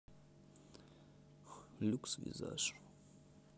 люкс визаж